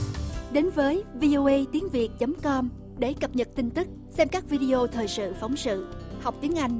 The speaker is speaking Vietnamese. đến với vi ô ây tiếng việt chấm com để cập nhật tin tức xem các vi đi ô thời sự phóng sự học tiếng anh